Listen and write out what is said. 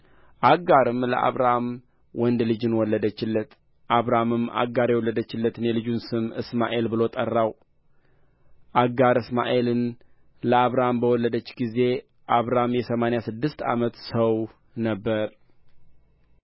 አጋርም ለአብራም ወንድ ልጅን ወለደችለት አብራምም አጋር የወለደችለትን የልጁን ስም እስማኤል ብሎ ጠራው አጋር እስማኤልን ለአብራም በወለደችለት ጊዜ አብራም የሰማንያ ስድስት ዓመት ሰው ነበር